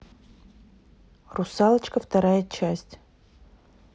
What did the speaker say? русалочка вторая часть